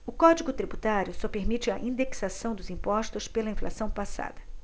o código tributário só permite a indexação dos impostos pela inflação passada